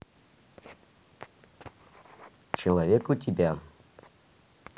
человек у тебя